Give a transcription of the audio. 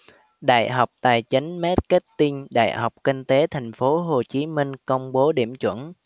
đại học tài chính marketing đại học kinh tế thành phố hồ chí minh công bố điểm chuẩn